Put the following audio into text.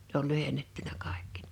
ne oli lyhennettynä kaikki